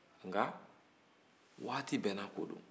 nka waati bɛɛ n'a ko don